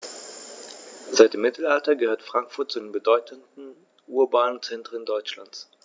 Seit dem Mittelalter gehört Frankfurt zu den bedeutenden urbanen Zentren Deutschlands.